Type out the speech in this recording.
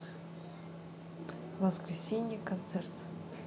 воскресенье концерт